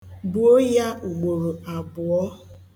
Buo ya ugboro abụọ.